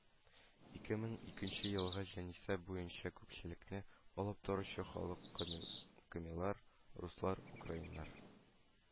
2002 елгы җанисәп буенча күпчелекне алып торучы халык: комилар (31%), руслар (61%), украиннар (6%)